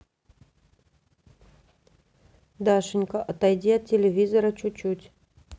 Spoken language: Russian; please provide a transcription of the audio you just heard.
дашенька отойди от телевизора чуть чуть